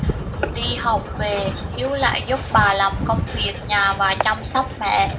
đi học về hiếu lại giúp bà làm công việc nhà và chăm sóc mẹ